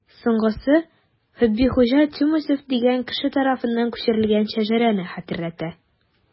Соңгысы Хөббихуҗа Тюмесев дигән кеше тарафыннан күчерелгән шәҗәрәне хәтерләтә.